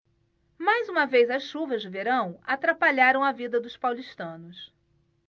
mais uma vez as chuvas de verão atrapalharam a vida dos paulistanos